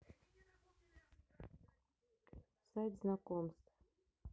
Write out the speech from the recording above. сайт знакомств